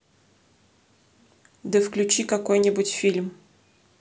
да включи какой нибудь фильм